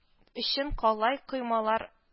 Өчен калай коймалар